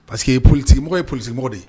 Pa que polimɔgɔ ye polisimɔgɔ de ye